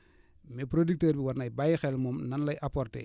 mais producteur bi war nay bàyyi xel moom nan lay apporter